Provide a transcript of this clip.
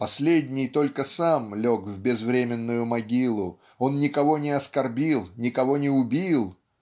последний только сам лег в безвременную могилу он никого не оскорбил никого не убил